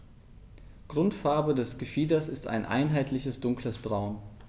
Grundfarbe des Gefieders ist ein einheitliches dunkles Braun.